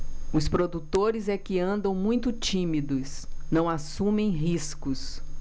os produtores é que andam muito tímidos não assumem riscos